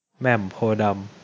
แหม่มโพธิ์ดำ